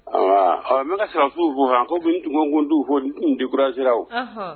Ɔ n bɛ ka sɔrɔsiw fo , komi n tun ko ko n t'u fo n tu decouragé la, ɔnhn!